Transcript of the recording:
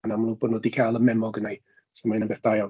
Ma'n amlwg bod nhw 'di cael y memo gynna i so mae hynny'n beth da iawn.